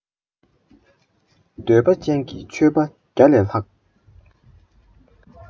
འདོད པ ཅན གྱི ཆོས པ བརྒྱ ལས ལྷག